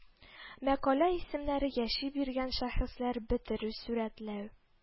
Мәкалә исемнәре Яши биргән шәхесләр Бетерү Сурәтләү